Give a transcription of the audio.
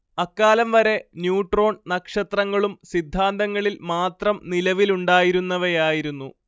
അക്കാലം വരെ ന്യൂട്രോൺ നക്ഷത്രങ്ങളും സിദ്ധാന്തങ്ങളിൽ മാത്രം നിലവിലുണ്ടായിരുന്നവയായിരുന്നു